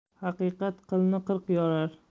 haqiqat qilni qirq yorar